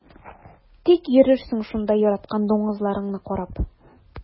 Тик йөрерсең шунда яраткан дуңгызларыңны карап.